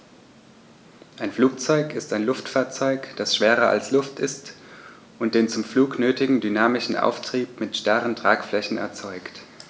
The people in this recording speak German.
Ein Flugzeug ist ein Luftfahrzeug, das schwerer als Luft ist und den zum Flug nötigen dynamischen Auftrieb mit starren Tragflächen erzeugt.